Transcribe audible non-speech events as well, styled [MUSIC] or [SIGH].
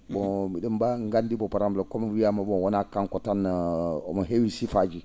bon [SMACKS LIPS] bi?en ba nganndi bo para* kono wiyaama bon wonaa kanko tan omo heewi sifaaji